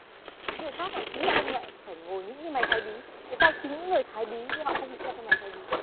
những người khác lại chính là ông lại phải ngồi nghĩ cái máy thái bí tại sao chính những người thái bí kia họ không nghĩ ra cái máy thái bí